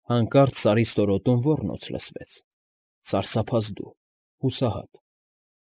Հանկարծ սարի ստորոտում ոռնոց լսվեց՝ սարսափազդու, հուսահատ։